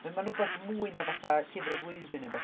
Mae mae'n wbeth mwy na fatha Llyfr y Flwyddyn neu wbath.